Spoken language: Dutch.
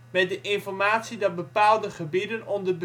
met de informatie dat bepaalde gebieden onder